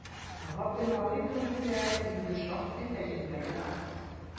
Габделвахит ролендә инде шактый тәҗрибәле артист.